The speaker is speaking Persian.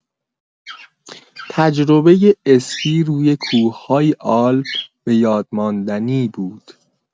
تجربۀ اسکی روی کوه‌های آلپ بۀادماندنی بود.